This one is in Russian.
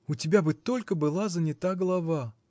У тебя бы только была занята голова.